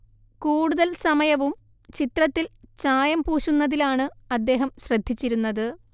കൂടുതൽ സമയവും ചിത്രത്തിൽ ചായം പൂശുന്നതിലാണ് അദ്ദേഹം ശ്രദ്ധിച്ചിരുന്നത്